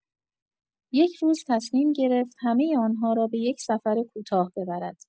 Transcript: یک روز تصمیم گرفت همۀ آن‌ها را به یک سفر کوتاه ببرد.